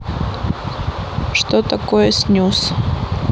что такое снюс